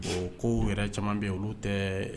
Bon ko yɛrɛ caman bɛ yen olu tɛ